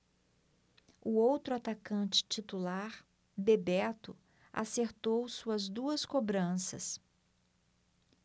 o outro atacante titular bebeto acertou suas duas cobranças